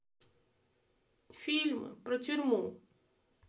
фильмы про тюрьму